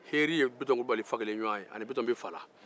heri ni bitɔn bɛ fa la